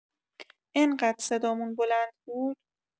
انقد صدامون بلند بود؟